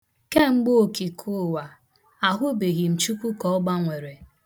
Kemgbe okike ụwa, ahụbeghị m Chukwu ka ọ gbanwere.